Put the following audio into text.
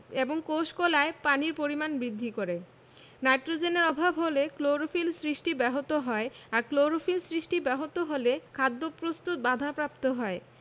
এবং কোষ কলায় পানির পরিমাণ বৃদ্ধি করে নাইট্রোজেনের অভাব হলে ক্লোরোফিল সৃষ্টি ব্যাহত হয় আর ক্লোরোফিল সৃষ্টি ব্যাহত হলে খাদ্য প্রস্তুত বাধাপ্রাপ্ত হয়